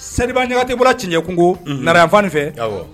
Seriba ɲagati bɔra cɛcɛkungo Nara ya fan in fɛ